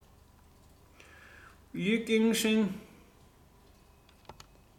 ཡུས ཀྲེང ཧྲེང